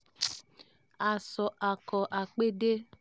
Ìwé àbádòfin ìlò ẹ̀rọ alátagbà náà ti jẹ́ kíkà ní ìgbà kejì nínú ìgbìmọ̀ Aṣojú-ṣòfin.